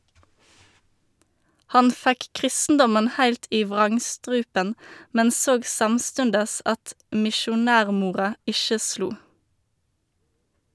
Han fekk kristendommen heilt i vrangstrupen, men såg samstundes at misjonærmora ikkje slo.